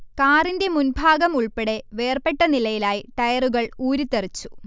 കാറിന്റെ മുൻഭാഗം ഉൾപ്പടെ വേർപെട്ട നിലയിലായി ടയറുകൾ ഊരിത്തെറിച്ചു